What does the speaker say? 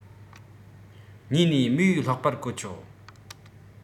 གཉིས ནས རྨོས སློག པར གོ ཆོད